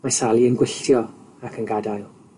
Mae Sally yn gwylltio ac yn gadael.